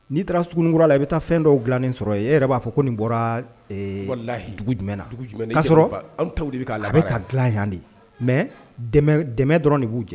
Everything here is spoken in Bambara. N'i taara surunkura la i bɛ taa fɛn dɔw dilanen sɔrɔ e yɛrɛ b'a fɔ ko nin bɔra jumɛn na jumɛn'a sɔrɔ a bɛ ka dila yan de mɛ dɛmɛ dɔrɔn de b'u jɛ